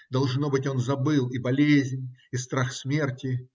Должно быть, он забыл и болезнь и страх смерти